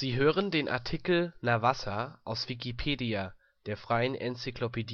hören den Artikel Navassa, aus Wikipedia, der freien Enzyklopädie